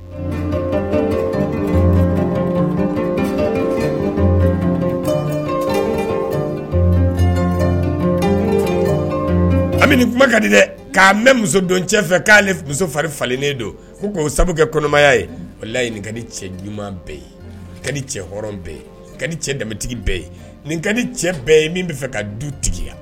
An kuma ka di dɛ k'a mɛn muso cɛ k'a muso fa falenlen don sabu kɔnɔmaya ye o cɛ ɲuman bɛ ka ni cɛ hɔrɔn bɛ ka cɛ damatigi bɛ ye nin ka cɛ bɛɛ ye min bɛ fɛ ka du tigiya